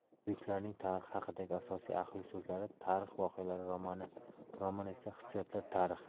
buyuklarning tarix haqidagi asosiy aqlli so'zlari tarix voqealar romani roman esa hissiyotlar tarixi